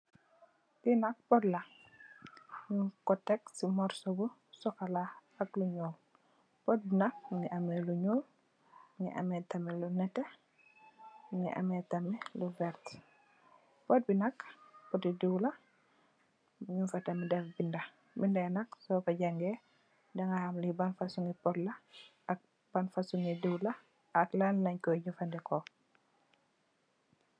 li nak pot la nyung ko tek ci morsoh bu sokola ak lu nyool pot bi nak mungi ameh lu nyool mungi ameh tamit lu nete mungi ameh tamit lu veert pot bi nak potu diwla nyung fa def ay binda binday nak soko jangeh dangai ham li ban fosomi pot la ak ban fosomi diw la ak la lenj koy jefendeko